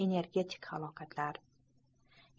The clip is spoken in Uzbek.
energetik halokatlar